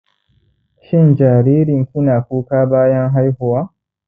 shin jaririnki na kuka bayan haihuwa